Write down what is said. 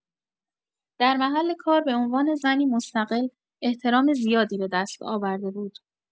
در محل کار، به عنوان زنی مستقل احترام زیادی به دست آورده بود.